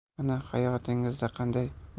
mana hayotingizda qanday